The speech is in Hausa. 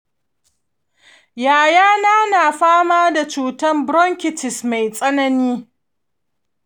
yayana na fama da cutar bronkitis mai tsanani.